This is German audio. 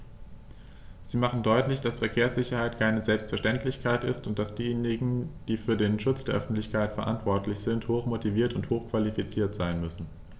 Sie machen deutlich, dass Verkehrssicherheit keine Selbstverständlichkeit ist und dass diejenigen, die für den Schutz der Öffentlichkeit verantwortlich sind, hochmotiviert und hochqualifiziert sein müssen.